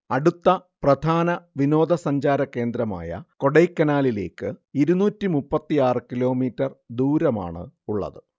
അടുത്ത പ്രധാന വിനോദസഞ്ചാരകേന്ദ്രമായ കൊടൈക്കനാലിലേക്ക് ഇരുന്നൂറ്റി മുപ്പത്തിയാറ് കിലോമീറ്റർ ദൂരമാണ് ഉള്ളത്